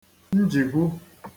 njikwu